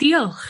Diolch.